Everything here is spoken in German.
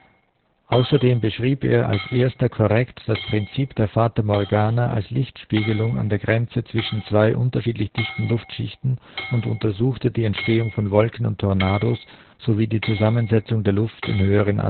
Außerdem beschrieb er als erster korrekt das Prinzip der Fata Morgana als Lichtspiegelung an der Grenze zwischen zwei unterschiedlich dichten Luftschichten und untersuchte die Entstehung von Wolken und Tornados sowie die Zusammensetzung der Luft in höheren